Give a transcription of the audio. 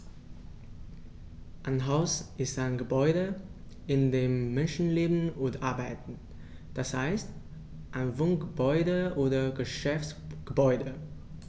Ein Haus ist ein Gebäude, in dem Menschen leben oder arbeiten, d. h. ein Wohngebäude oder Geschäftsgebäude.